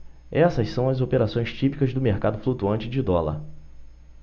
essas são as operações típicas do mercado flutuante de dólar